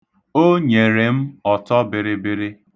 O nyere m ọtọbịrịbịrị.